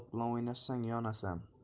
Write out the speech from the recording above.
o't bilan o'ynashsang yonasan